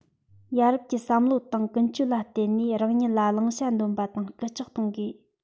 ཡ རབས ཀྱི བསམ བློ དང ཀུན སྤྱོད ལ བརྟེན ནས རང ཉིད ལ བླང བྱ འདོན པ དང སྐུལ ལྕག གཏོང དགོས